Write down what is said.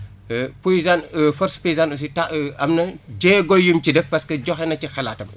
paysane force paysane aussi temps am na jéego yu mu ci def parce que joxe na ci xalaatam